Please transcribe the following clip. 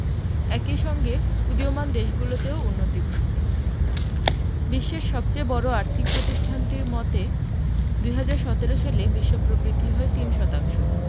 একই সঙ্গে উদীয়মান দেশগুলোতেও উন্নতি ঘটছে বিশ্বের সবচেয়ে বড় আর্থিক প্রতিষ্ঠানটির মতে ২০১৭ সালে বিশ্ব প্রবৃদ্ধি হয় ৩.০ শতাংশ